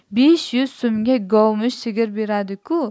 besh yuz so'mga govmish sigir beradi ku